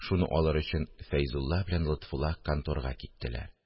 Шуны алыр өчен Фәйзулла белән Лотфулла конторга киттеләр